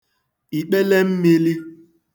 ìkpele mmīlī